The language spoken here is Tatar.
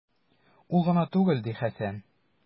Ул гына түгел, - ди Хәсән.